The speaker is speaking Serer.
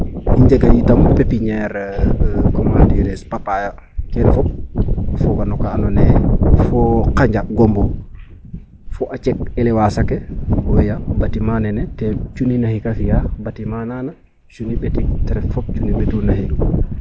I njega yit a pépinière comment dirais je papaaya kene fop a foga no ka andoona yee fo qanja gombo fo a cek elewaas ake o waya batiment nene te cunni naxik a fi'a batiment nana cunni ɓetik ta ref fop cuuni ɓetu naxik .